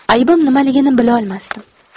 aybim nimaligini bilolmasdim